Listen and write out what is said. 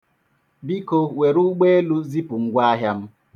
Biko, were ụgbọelu zipụ ngwaahịa m.